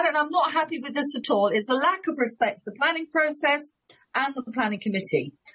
I don- I'm not happy with this at all. It's a lack of respect for the planning process and the planning committee.